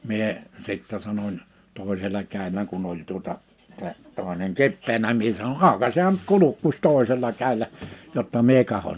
minä sitten sanon toisella kädelläni kun oli tuota tämä toinen kipeänä minä sanoin aukaisehan nyt kurkkusi toisella kädellä jotta minä katson